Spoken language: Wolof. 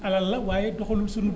alal la waaye doxalul suñu